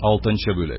Алтынчы бүлек